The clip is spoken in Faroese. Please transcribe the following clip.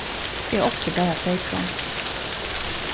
eg átti bara tveykrónur